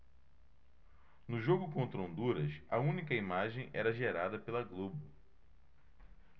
no jogo contra honduras a única imagem era gerada pela globo